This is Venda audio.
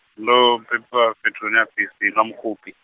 ndo bebiwa fhethu hune ha pfi, Senwamukgobe.